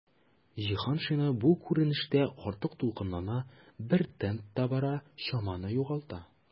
Җиһаншина бу күренештә артык дулкынлана, бер темпта бара, чаманы югалта.